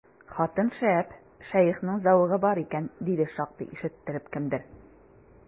Хатын шәп, шәехнең зәвыгы бар икән, диде шактый ишеттереп кемдер.